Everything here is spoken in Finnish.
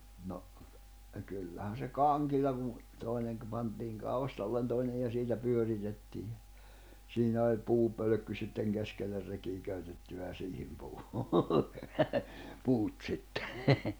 no kyllähän se kangilla kun toinen pantiin kaustalle toinen ja siitä pyöritettiin ja siinä oli puupölkky sitten keskelle rekeä köytetty ja siihen puu puut sitten